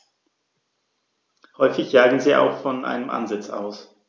Häufig jagen sie auch von einem Ansitz aus.